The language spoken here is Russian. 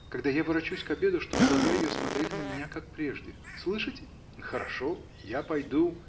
Когда я ворочусь к обеду, чтоб глаза ее смотрели на меня, как прежде. Слышите? — Хорошо, я пойду.